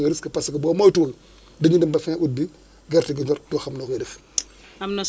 prévisions yi naka ngeen koy defee ndax par semaine ngeen di joxe prévision wala